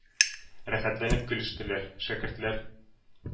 Рәхәтләнеп көлештеләр. Шәкертләр,